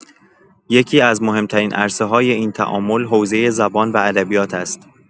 یکی‌از مهم‌ترین عرصه‌های این تعامل، حوزه زبان و ادبیات است.